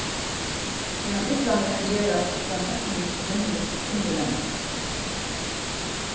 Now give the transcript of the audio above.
tí hann illani kann gerast uttan tøkniligt og vinnuligt undirlendi